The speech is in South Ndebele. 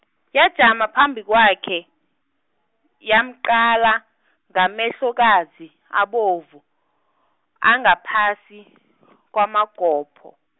yajama phambi kwakhe, yamqala, ngamehlokazi, abovu, angaphasi, kwamagobho.